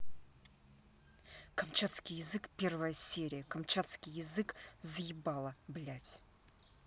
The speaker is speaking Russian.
камчатский язык первая серия камчатский язык заебала блядь